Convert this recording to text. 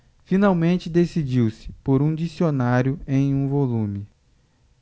finalmente decidiu-se por um dicionário em um volume